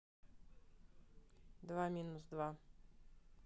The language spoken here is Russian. два минус два